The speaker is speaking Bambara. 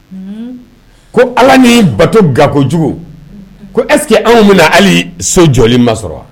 Ko ala ni bato gako kojugu ko esseke anw bɛ hali so jɔlen ma sɔrɔ wa